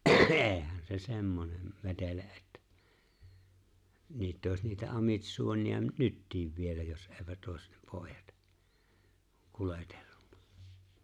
eihän se semmoinen vetele että niitä olisi niitä amitsuoneja nytkin vielä jos eivät olisi pojat kuljetellut